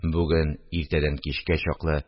Бүген иртәдән кичкә чаклы